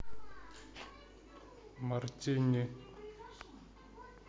мартини